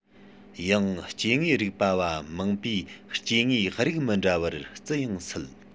ཡང སྐྱེ དངོས རིག པ བ མང པོས སྐྱེ དངོས རིགས མི འདྲ བར བརྩི ཡང སྲིད